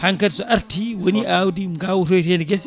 hankkadi so arti woni awdi gawtoytedi guese